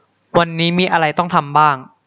วันนี้มีอะไรต้องทำบ้าง